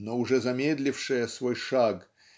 но уже замедлившая свой шаг